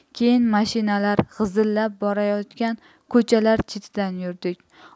keyin mashinalar g'izillab borayotgan ko'chalar chetidan yurdik